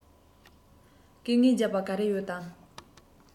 སྐད ངན རྒྱག རྒྱུ ག རེ ཡོད དམ